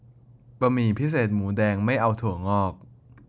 บะหมี่พิเศษหมูแดงไม่เอาถั่วงอก